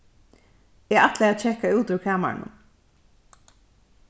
eg ætlaði at kekka út úr kamarinum